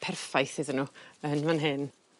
perffaith iddyn n'w yn hyn fan hyn.